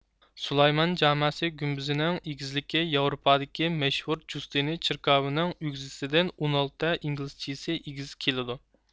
سۇلايمان جاماسى گۈمبىزىنىڭ ئېگىزلىكى ياۋروپادىكى مەشھۇر جۇستىنى چېركاۋىنىڭ ئۆگزىسىدىن ئون ئالتە ئىنگلىز چىسى ئېگىز كېلىدۇ